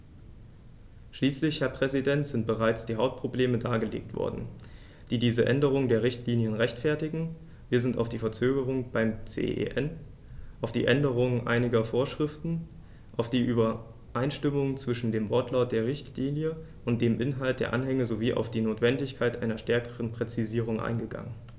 Schließlich, Herr Präsident, sind bereits die Hauptprobleme dargelegt worden, die diese Änderung der Richtlinie rechtfertigen, wir sind auf die Verzögerung beim CEN, auf die Änderung einiger Vorschriften, auf die Übereinstimmung zwischen dem Wortlaut der Richtlinie und dem Inhalt der Anhänge sowie auf die Notwendigkeit einer stärkeren Präzisierung eingegangen.